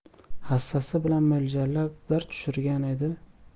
hassasi bilan mo'ljallab bir tushirgan edi